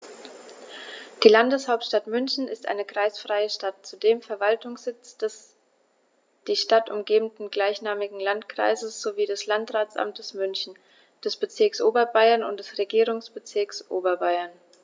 Die Landeshauptstadt München ist eine kreisfreie Stadt, zudem Verwaltungssitz des die Stadt umgebenden gleichnamigen Landkreises sowie des Landratsamtes München, des Bezirks Oberbayern und des Regierungsbezirks Oberbayern.